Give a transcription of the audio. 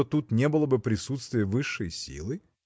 что тут не было бы присутствия высшей силы?